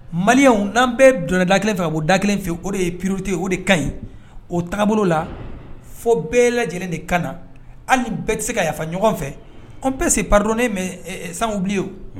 Maliens nan bɛɛ donna da kelen fɛ ka bɔ da kelen fɛ o de ye priorité ye . O de ka ɲi o taabolo la fo bɛɛ lajɛlen de ka na . Hali ni bɛɛ te se ka yafa ɲɔgɔn fɛ .- On peut se pardonner. Mais sa vaux mieux